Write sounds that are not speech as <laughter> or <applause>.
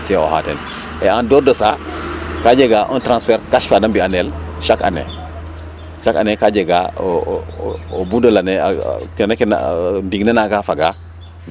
assure oxa ten et en dehors ca kaa jegaa un trasfert cash fa de mbi'anel chaque année chaque année o o bout de l' année kene ke <hesitation> ndiig a nanga a fagaa